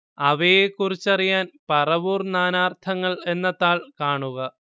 അവയെക്കുറിച്ചറിയാൻ പറവൂർ നാനാർത്ഥങ്ങൾ എന്ന താൾ കാണുക